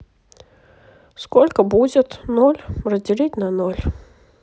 сколько будет ноль разделить на ноль